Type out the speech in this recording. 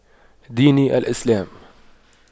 ديني الإسلام